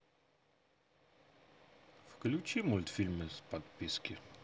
включи мультфильмы с подписки